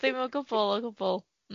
Dim o gwbwl, o gwbwl.